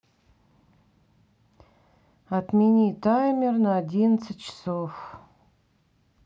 отмени таймер на одиннадцать часов